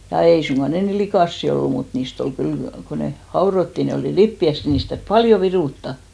ja ei suinkaan ne niin likaisia ollut mutta niistä oli kyllä kun ne haudottiin ne oli lipeäistä niistä täytyi paljon viruttaa